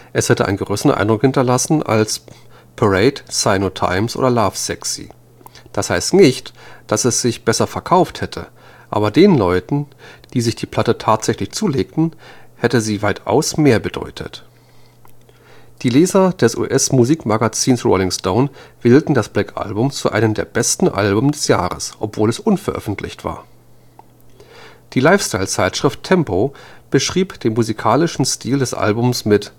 Es hätte einen größeren Eindruck hinterlassen als Parade, Sign o’ the Times oder Lovesexy. Das heißt nicht, dass es sich besser verkauft hätte, aber den Leuten, die sich die Platte tatsächlich zulegten, hätte sie weitaus mehr bedeutet. “Die Leser des US-Musikmagazins Rolling Stone wählten das Black Album zu einem der besten Alben des Jahres, obwohl es unveröffentlicht war. Die Lifestyle-Zeitschrift Tempo beschrieb den musikalischen Stil des Albums mit